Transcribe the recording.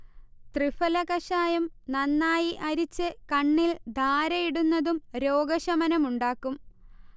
തൃഫല കഷായം നന്നായി അരിച്ച് കണ്ണിൽ ധാരയിടുന്നതും രോഗശമനമുണ്ടാക്കും